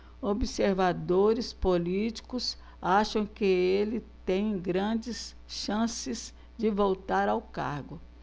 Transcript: observadores políticos acham que ele tem grandes chances de voltar ao cargo